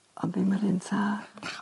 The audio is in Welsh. Ond ddim yr un tad.